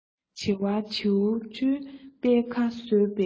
བྱི བ བྱིའུ འཇོལ པད ཁ ཟོས པས ལན